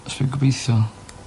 Fyswn i'n gobitho